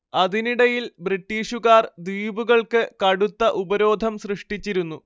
അതിനിടയിൽ ബ്രിട്ടീഷുകാർ ദ്വീപുകൾക്ക്‌ കടുത്ത ഉപരോധം സൃഷ്ടിച്ചിരുന്നു